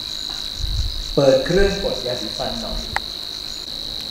เปิดเครื่องกดยาสีฟันหน่อย